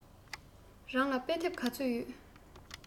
རང ལ དཔེ དེབ ག ཚོད ཡོད